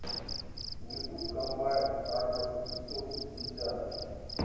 ютуб комбайн акрос пятьсот пятьдесят